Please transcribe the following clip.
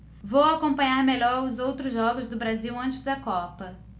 vou acompanhar melhor os outros jogos do brasil antes da copa